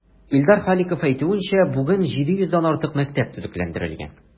Илдар Халиков әйтүенчә, бүген 700 дән артык мәктәп төзекләндерелгән.